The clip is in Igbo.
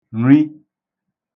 ṙi